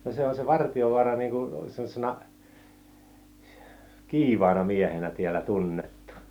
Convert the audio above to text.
no se on se Vartiovaara niin kuin semmoisena kiivaana miehenä täällä tunnettu